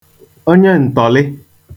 onyeǹtọ̀lị